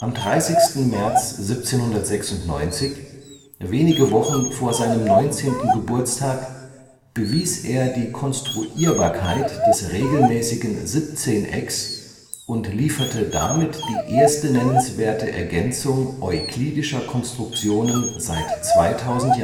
30. März 1796, wenige Wochen vor seinem neunzehnten Geburtstag, bewies er die Konstruierbarkeit des regelmäßigen Siebzehnecks und lieferte damit die erste nennenswerte Ergänzung euklidischer Konstruktionen seit 2000